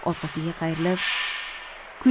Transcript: orqasiga qayrilib